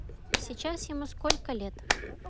сейчас ему сколько лет